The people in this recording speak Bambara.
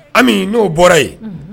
Ami n'o bɔra ye